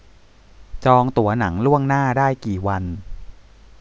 จองตั๋วหนังล่วงหน้าได้กี่วัน